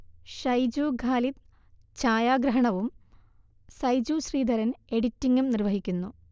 ഷൈജു ഖാലിദ് ചായാഗ്രഹണവും സൈജു ശ്രീധരൻ എഡിറ്റിംഗും നിർവഹിക്കുന്നു